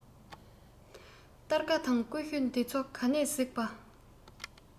སྟར ཁ དང ཀུ ཤུ དེ ཚོ ག ནས གཟིགས པྰ